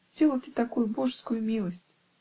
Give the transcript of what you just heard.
сделайте такую божескую милость!.